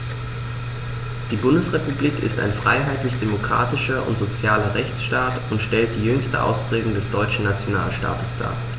Die Bundesrepublik ist ein freiheitlich-demokratischer und sozialer Rechtsstaat und stellt die jüngste Ausprägung des deutschen Nationalstaates dar.